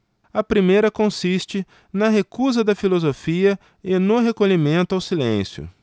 a primeira consiste na recusa da filosofia e no recolhimento ao silêncio